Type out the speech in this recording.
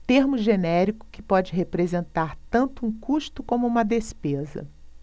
termo genérico que pode representar tanto um custo como uma despesa